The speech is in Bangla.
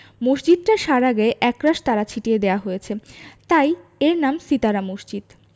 মসজিদটার সারা গায়ে একরাশ তারা ছিটিয়ে দেয়া হয়েছে তাই এর নাম সিতারা মসজিদ